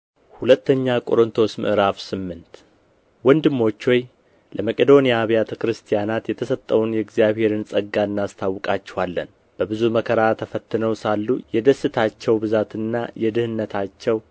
ሁለተኛ ቆሮንቶስ ምዕራፍ ስምንት ወንድሞች ሆይ ለመቄዶንያ አብያተ ክርስቲያናት የተሰጠውን የእግዚአብሔርን ጸጋ እናስታውቃችኋለን በብዙ መከራ ተፈትነው ሳሉ የደስታቸው ብዛትና የድህነታቸው